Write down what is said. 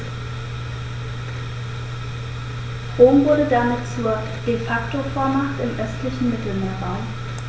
Rom wurde damit zur ‚De-Facto-Vormacht‘ im östlichen Mittelmeerraum.